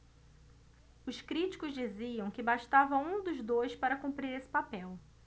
os críticos diziam que bastava um dos dois para cumprir esse papel